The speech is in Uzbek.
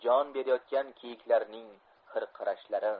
jon berayotgan kiyiklarning hirqirashlari